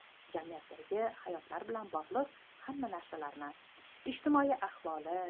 jamiyatdagi hayotlari bilan bog'liq hamma narsalarni ijtimoiy ahvoli